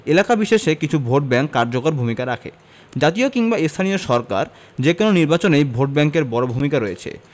এলাকা বিশেষে কিছু ভোটব্যাংক কার্যকর ভূমিকা রাখে জাতীয় কিংবা স্থানীয় সরকার যেকোনো নির্বাচনেই ভোটব্যাংকের বড় ভূমিকা রয়েছে